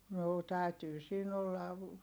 no täytyy siinä olla